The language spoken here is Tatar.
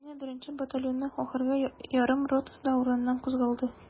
Менә беренче батальонның ахыргы ярым ротасы да урыныннан кузгалды.